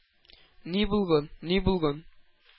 -ни булган, ни булган...